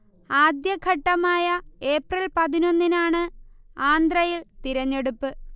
ആദ്യഘട്ടമായ April പതിനൊന്നിന് ആണ് ആന്ധ്രയിൽ തിരഞ്ഞെടുപ്പ്